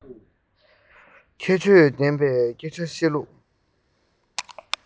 ཁྱད ཆོས ལྡན པའི སྐད ཆ བཤད ལུགས